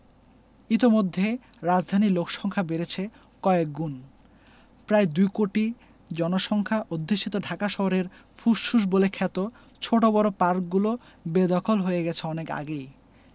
ইতোমধ্যে রাজধানীর লোকসংখ্যা বেড়েছে কয়েকগুণ প্রায় দুকোটি জনসংখ্যা অধ্যুষিত ঢাকা শহরের ফুসফুস বলে খ্যাত ছোট বড় পার্কগুলো বেদখল হয়ে গেছে অনেক আগেই